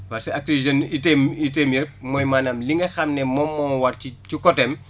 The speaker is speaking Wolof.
parce que Agri Jeunes itteem itteem yi rek mooy maanaam li nga xam ne moom moo war ci côté am